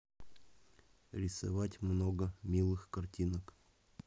рисовать много милых картинок